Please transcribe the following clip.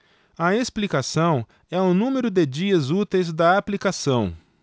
a explicação é o número de dias úteis da aplicação